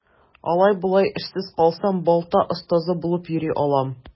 Алай-болай эшсез калсам, балта остасы булып йөри алам.